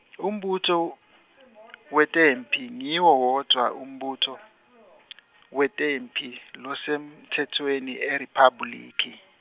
umbutfo , wetemphi ngiwo wodvwa umbutfo , wetemphi losemtsetfweni eRiphabhulikhi.